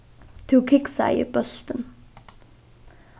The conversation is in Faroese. tú kiksaði bóltin